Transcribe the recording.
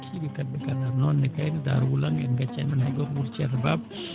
en njettii ɓe kamɓe kala noon ne kayne Dara wulam min ngaccaani ɗoon ne hay gooto Wuro ceerno Baba